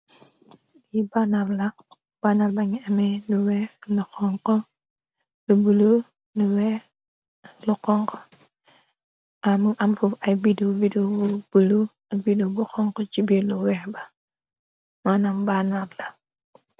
Li bannar la bannar ba ngi amee lu weex lu bulu lu weex lu konk amu amfa ay bideo videobu bulu ak bideo bu xonk ci biir lu weex ba manam bannaat la.